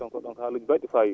ko ?oon ko haalaaji mba??i fayida